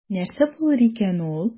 Нәрсә булыр икән ул?